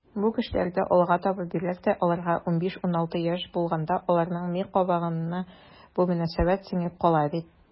Бу кешеләрдә алга таба, бигрәк тә аларга 15-16 яшь булганда, аларның ми кабыгына бу мөнәсәбәт сеңеп кала бит.